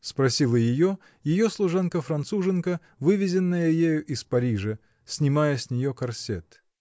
-- спросила ее ее служанка француженка, вывезенная ею из Парижа, снимая с нее корсет.